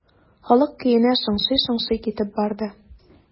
Халык көенә шыңшый-шыңшый китеп барды.